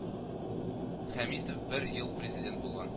Хәмитов бер ел Президент булган